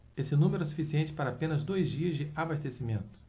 esse número é suficiente para apenas dois dias de abastecimento